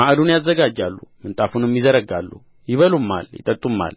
ማዕዱን ያዘጋጃሉ ምንጣፉንም ይዘረጋሉ ይበሉማል ይጠጡማል